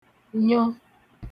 nyo